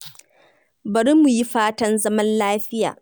Bari mu yi fatan zaman lafiya.